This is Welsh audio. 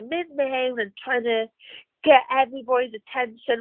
Yn mynd mewn and trying to get every boy's attention.